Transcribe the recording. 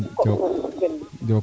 den fop